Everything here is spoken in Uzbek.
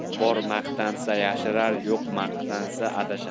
bor maqtansa yarashar yo'q maqtansa adashar